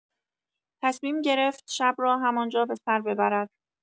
تصمیم گرفت شب را همان جا به سر ببرد.